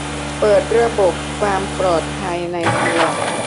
เปิดระบบความปลอดภัยในครัว